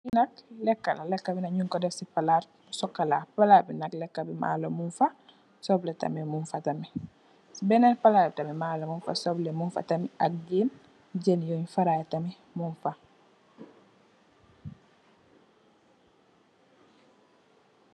Li nak lekka la, lekka bi nak yun ko def ci palaat bu sokola. Palaat bi nak lekka bi maalo mung fa, soplè lè tamit mung fa tamit. Ci benen palaat bi maalo mung fa, suplè mung fa tamit ak jèn, jèn yun faraye tamit mung fa.